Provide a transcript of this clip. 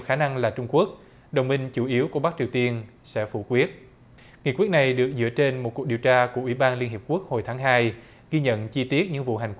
khả năng là trung quốc đồng minh chủ yếu của bắc triều tiên sẽ phủ quyết nghị quyết này được dựa trên một cuộc điều tra của ủy ban liên hiệp quốc hồi tháng hai ghi nhận chi tiết những vụ hành